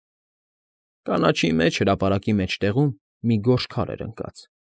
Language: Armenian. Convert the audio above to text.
Կանաչի մեջ, հրապարակի մեջտեղում մի գորշ քար էր ընկած։